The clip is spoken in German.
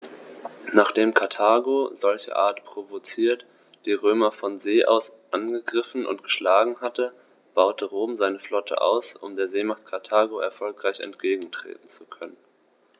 Nachdem Karthago, solcherart provoziert, die Römer von See aus angegriffen und geschlagen hatte, baute Rom seine Flotte aus, um der Seemacht Karthago erfolgreich entgegentreten zu können.